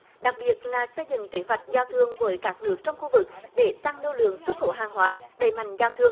đặc biệt là xây dựng kế hoạch giao thương với các nước trong khu vực để tăng lưu lượng xuất khẩu hàng hóa đẩy mạnh giao thương